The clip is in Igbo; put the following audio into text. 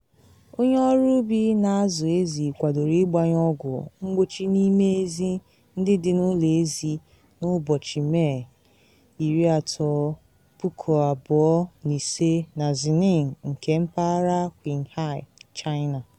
Onye ọrụ ubi na azụ ezi kwadoro ịgbanye ọgwụ mgbochi n’ime ezi ndị dị n’ụlọ ezi n’ụbọchi Meh 30, 2005 na Xining nke Mpaghara Qinghai, China.